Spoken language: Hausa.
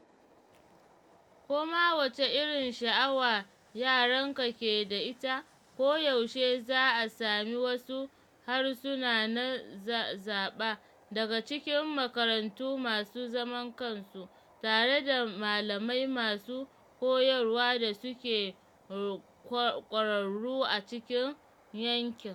Ko ma wace irin sha’awa yaranka ke da ita, koyaushe za a sami wasu harsuna na zaba daga cikin makarantu masu zaman kansu, tare da malamai masu koyarwa da suke kwararru a cikin yankin.